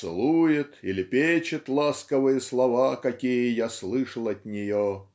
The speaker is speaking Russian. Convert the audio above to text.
целует и лепечет ласковые слова какие я слышал от нее